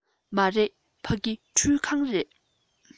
མ རེད ཕ གི ཁྲུད ཁང རེད